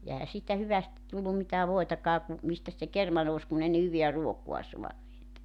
ja eihän siitä hyvästi tullut mitään voitakaan kun mistäs se kerma nousi kun ei ne hyvää ruokaa saaneet